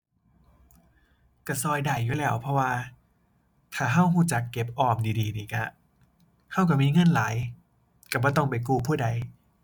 ก็ก็ได้อยู่แล้ว เพราะว่าถ้าก็ก็จักเก็บออมดีดีนี่ก็ ก็ก็มีเงินหลาย ก็บ่ต้องไปกู้ผู้ใด